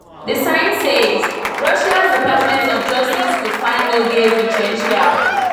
the sign says: RUSSIA’S DEPARTMENT OF JUSTICE COULD FIND NO GAYS IN CHECHYA.